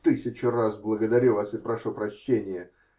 Тысячу раз благодарю вас и прошу прощения.